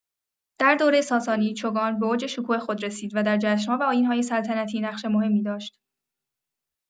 در دوره ساسانی، چوگان به اوج شکوه خود رسید و در جشن‌ها و آیین‌های سلطنتی نقش مهمی داشت.